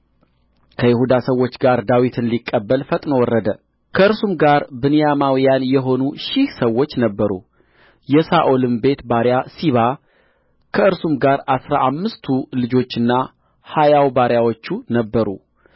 ከይሁዳ ሰዎች ጋር ዳዊትን ሊቀበል ፈጥኖ ወረደ ከእርሱም ጋር ብንያማውያን የሆኑ ሺህ ሰዎች ነበሩ የሳኦልም ቤት ባሪያ ሲባ ከእርሱም ጋር አሥራ አምስቱ ልጆችና ሀያው ባሪያዎች ነበሩ